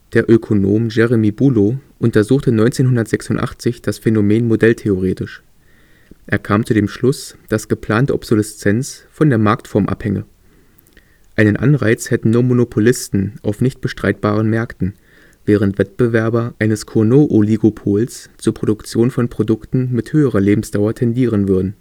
Der Ökonom Jeremy Bulow untersuchte 1986 das Phänomen modelltheoretisch. Er kam zu dem Schluss, dass geplante Obsoleszenz von der Marktform abhänge. Einen Anreiz hätten nur Monopolisten auf nicht-bestreitbaren Märkten, während Wettbewerber eines Cournot-Oligopols zur Produktion von Produkten mit höherer Lebensdauer tendieren würden